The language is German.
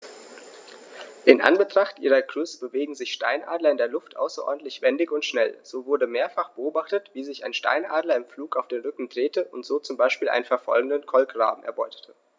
In Anbetracht ihrer Größe bewegen sich Steinadler in der Luft außerordentlich wendig und schnell, so wurde mehrfach beobachtet, wie sich ein Steinadler im Flug auf den Rücken drehte und so zum Beispiel einen verfolgenden Kolkraben erbeutete.